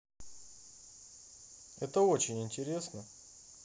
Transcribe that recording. это очень интересно